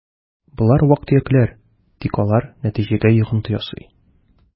Болар вак-төякләр, тик алар нәтиҗәгә йогынты ясый: